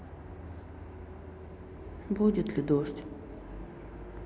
будет ли дождь